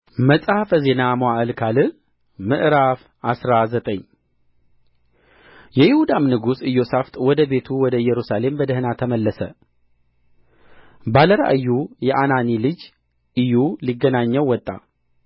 መጽሐፈ ዜና መዋዕል ካልዕ ምዕራፍ አስራ ዘጠኝ የይሁዳም ንጉሥ ኢዮሣፍጥ ወደ ቤቱ ወደ ኢየሩሳሌም በደኅና ተመለሰ ባለ ራእዩ የአናኒ ልጅ ኢዩ ሊገናኘው ወጣ